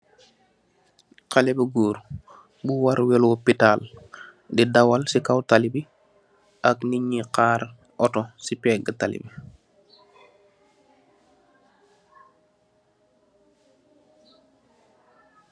Khaleh bu goor, bu war weloo pitaal, di dawal si kaw talli bi, ak ninyi khaar auto si peg talli bi.